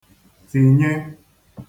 tinye